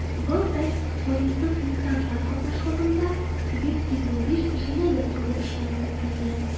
Былтыр канунсыз мигрантлар катнашлыгында 155 җинаять кылу очрагы теркәлгән.